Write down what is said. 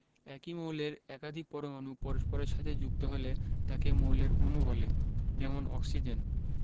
একই মৌলের একাধিক পরমাণু পরস্পরের সাথে যুক্ত হলে তাকে মৌলের অণু বলে যেমন অক্সিজেন